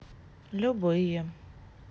любые